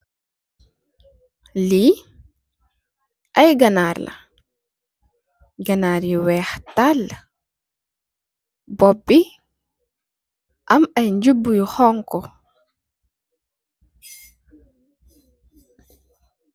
Lii ay ganaar la, ganaar yu weex tal, boopu bi, am ay ñuubu yu xoñgu.